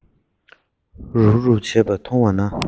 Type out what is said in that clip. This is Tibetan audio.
རུབ རུབ བྱེད པ མཐོང བ ན